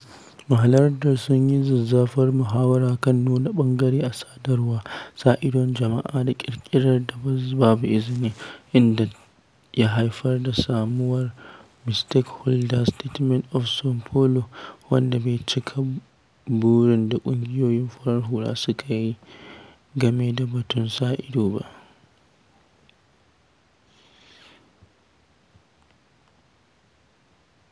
Mahalarta sun yi zazzafar muhawara kan nuna ɓangare a sadarwa, sa idon jama'a, da ƙirƙirar da “babu izini”, abinda ya haifar da samuwar Multistakeholder Statement of Sao Paulo, wanda bai cika burin da ƙungiyoyin farar hula suka yi game da batun sa ido ba.